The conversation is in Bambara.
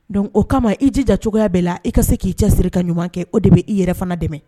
Donc o kama i jija cogoya bɛɛ la i ka se k'i cɛ siri ka ɲuman kɛ o de bɛ i yɛrɛ fana dɛmɛ